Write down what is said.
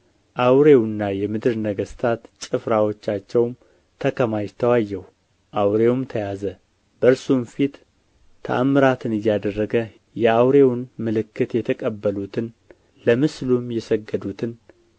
አውሬውና የምድር ነገሥታት ጭፍራዎቻቸውም ተከማችተው አየሁ አውሬውም ተያዘ በእርሱም ፊት ተአምራትን እያደረገ የአውሬውን ምልክት የተቀበሉትን ለምስሉም የሰገዱትን